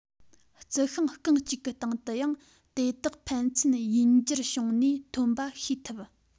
རྩི ཤིང རྐང གཅིག གི སྟེང དུ ཡང དེ དག ཕན ཚུན ཡུན འགྱུར བྱུང ནས ཐོན པ ཤེས ཐུབ